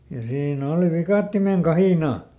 ja siinä oli viikatteen kahina